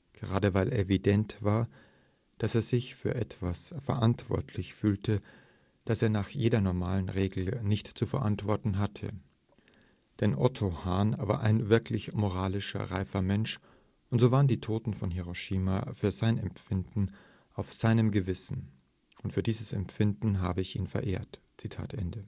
gerade weil evident war, dass er sich für etwas verantwortlich fühlte, das er nach jeder normalen Regel nicht zu verantworten hatte. Denn Otto Hahn war ein wirklich moralischer und reifer Mensch, und so waren die Toten von Hiroshima für sein Empfinden auf seinem Gewissen. Und für dieses Empfinden habe ich ihn verehrt. “Und